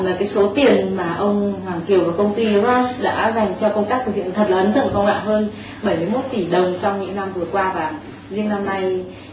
và cái số tiền mà ông hoàng kiều và công ty gáp đã dành cho công tác thực hiện thật ấn tượng phải không ạ bảy mươi mốt tỷ đồng trong những năm vừa qua và riêng năm nay